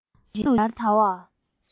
བར དུ ཇི ལྟར དར བ